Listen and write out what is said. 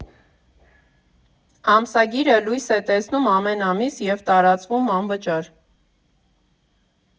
Ամսագիրը լույս է տեսնում ամեն ամիս և տարածվում անվճար։